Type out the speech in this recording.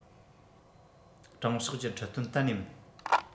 དྲང ཕྱོགས ཀྱི ཁྲིད སྟོན གཏན ནས མིན